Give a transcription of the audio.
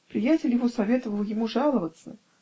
Приятель его советовал ему жаловаться